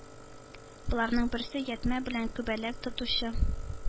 Боларның берсе — ятьмә белән күбәләк тотучы